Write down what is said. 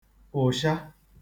ụ̀sha